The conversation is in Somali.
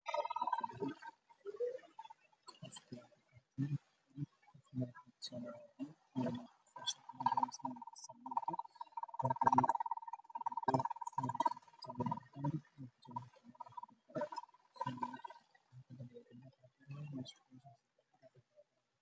Waa gabar iyo wiil madaxa maro cad ugu duubeeso